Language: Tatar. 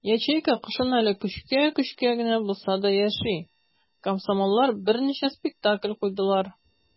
Ячейка кышын әле көчкә-көчкә генә булса да яши - комсомоллар берничә спектакль куйдылар.